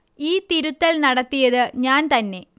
ഈ തിരുത്തൽ നടത്തിയത് ഞാൻ തന്നെ